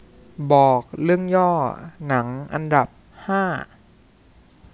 บอกเรื่องย่อหนังอันดับห้า